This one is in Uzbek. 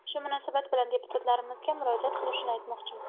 shu munosabat bilan deputatlarimizga murojaat qilib shuni aytmoqchiman